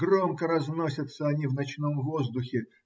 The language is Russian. Громко разносятся они в ночном воздухе.